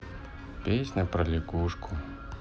песня про лягушку